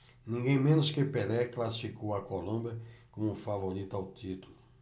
ninguém menos que pelé classificou a colômbia como favorita ao título